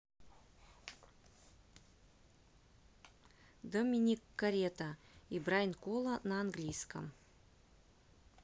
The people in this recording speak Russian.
доминик карета и brain кола на английском